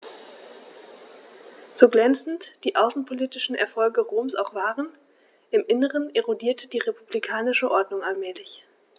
So glänzend die außenpolitischen Erfolge Roms auch waren: Im Inneren erodierte die republikanische Ordnung allmählich.